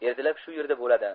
ertalab shu yerda bo'ladi